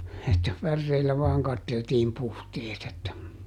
että päreillä vain katseltiin puhteet että